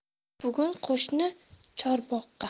bugun qo'shni chorboqqa